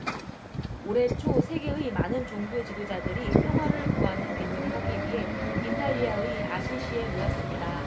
올해 초 세계의 많은 종교 지도자들이 평화를 구하는 기도를 하기 위해 이탈리아의 아시시에 모였습니다